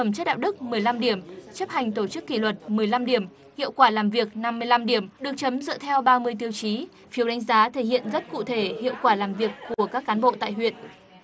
phẩm chất đạo đức mười lăm điểm chấp hành tổ chức kỷ luật mười lăm điểm hiệu quả làm việc năm mươi lăm điểm được chấm dựa theo ba mươi tiêu chí phiếu đánh giá thể hiện rất cụ thể hiệu quả làm việc của các cán bộ tại huyện